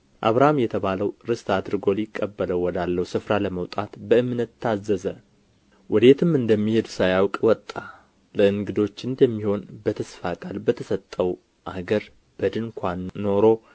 አብርሃም የተባለው ርስት አድርጎ ሊቀበለው ወዳለው ስፍራ ለመውጣት በእምነት ታዘዘ ወዴትም እንደሚሄድ ሳያውቅ ወጣ ለእንግዶች እንደሚሆን በተስፋ ቃል በተሰጠው አገር በድንኳን ኖሮ